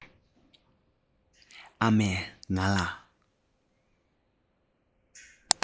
ཨ མས ང ལ